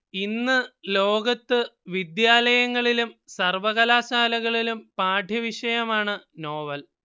ഇന്ന് ലോകത്ത് വിദ്യാലയങ്ങളിലും സർവ്വകലാശാലകളിലും പാഠ്യവിഷയമാണ് നോവൽ